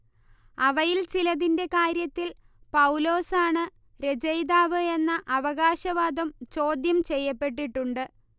അവയിൽ ചിലതിന്റെ കാര്യത്തിൽ പൗലോസാണു രചയിതാവ് എന്ന അവകാശവാദം ചോദ്യംചെയ്യപ്പെട്ടിട്ടുണ്ട്